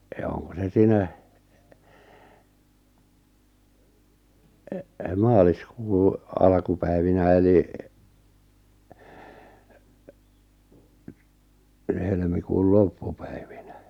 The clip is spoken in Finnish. ja onko se siinä maaliskuun alkupäivinä eli helmikuun loppupäivinä